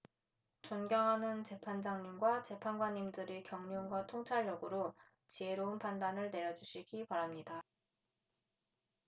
존경하는 재판장님과 재판관님들의 경륜과 통찰력으로 지혜로운 판단을 내려주시기 바랍니다